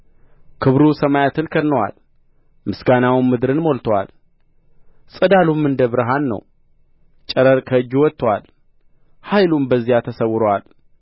ክብሩ ሰማያትን ከድኖአል ምስጋናውም ምድርን ሞልቶአል ፀዳሉም እንደ ብርሃን ነው ጨረር ከእጁ ወጥቶአል ኃይሉም በዚያ ተሰውሮአል